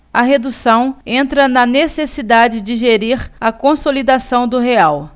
a redução entra na necessidade de gerir a consolidação do real